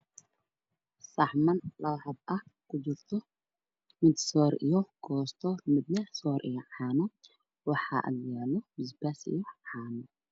Waa laba saxan waxaa ku kala jiro soor mid waxaa ku jira soor iyo caano mid waxaa ku jira soo hilib waxaa ag yaalla basbaas